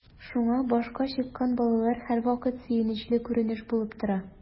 Шуңа “башка чыккан” балалар һәрвакыт сөенечле күренеш булып тора.